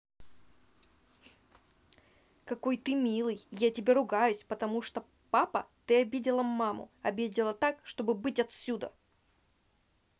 какой ты милый я тебе ругаюсь потому что папа ты обидела маму обидела так чтобы быть отсюда